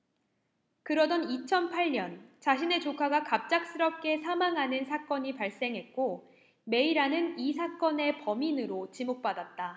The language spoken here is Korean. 그러던 이천 팔 년 자신의 조카가 갑작스럽게 사망하는 사건이 발생했고 메이라는 이 사건의 범인으로 지목받았다